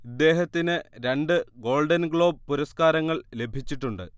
ഇദ്ദേഹത്തിന് രണ്ട് Golden Globe പുരസകാരങ്ങൾ ലഭിച്ചിട്ടുണ്ട്